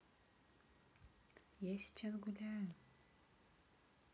я сейчас гуляю